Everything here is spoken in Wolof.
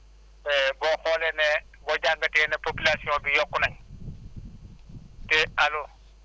boo xoolee ne boo jàngatee ne population bi yokku nañ te allo